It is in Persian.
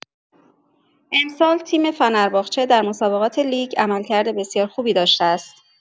امسال تیم فنرباغچه در مسابقات لیگ عملکرد بسیار خوبی داشته است.